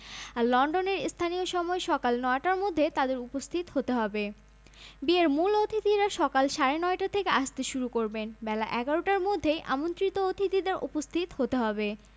এই অসাধারণ সুন্দর সৈকতে হেঁটে কয়েক মিনিটের মধ্যেই তার মন ভালো হয়ে গেল সত্যিই কান অসাধারণ